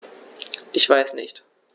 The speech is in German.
Ich weiß nicht.